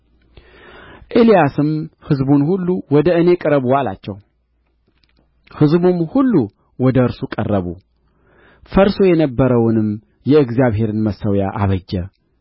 ኤልያስም ሕዝቡን ሁሉ ወደ እኔ ቅረቡ አላቸው ሕዝቡም ሁሉ ወደ እርሱ ቀረቡ ፈርሶ የነበረውንም የእግዚአብሔርን መሠዊያ አበጀ